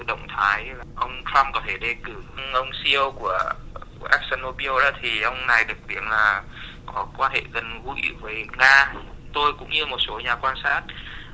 động thái ông trăm có thể đề cử ông xi âu của các xi nô bi ô thì ông này được ví là có quan hệ gần gũi với nga tôi cũng như một số nhà quan sát